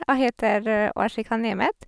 Jeg heter Orsika Nemeth.